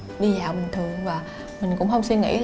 đi dạo bình thường và mình cũng không suy nghĩ